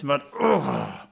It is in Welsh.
Ti'mod